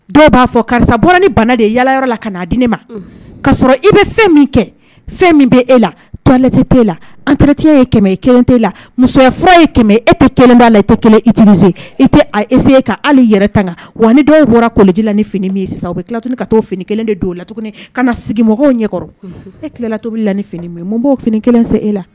Dɔw b'a fɔ karisa bɔra ni bana de yaayɔrɔ la ka'a di ne ma ka sɔrɔ i bɛ fɛn min kɛ fɛn min bɛ e la tɔ te la anrecya ye i kelen tɛ la musoyaf ye e tɛ kelen b'a la e tɛ i tɛ se e tɛse ka hali yɛrɛ tan kan wa ni dɔw bɔra kɔji la ni fini min ye sisan a bɛ tilalat ka to fini kelen de don la tuguni ka na sigi mɔgɔw ɲɛkɔrɔ e tilalatobili la ni fini min mun b'o fini kelen se e la